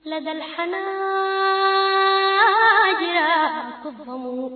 Tileyan wa